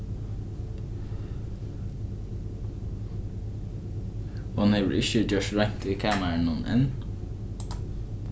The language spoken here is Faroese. hon hevur ikki gjørt reint í kamarinum enn